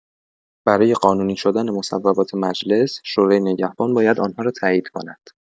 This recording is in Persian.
برای قانونی شدن مصوبات مجلس، شورای نگهبان باید آنها را تایید کند.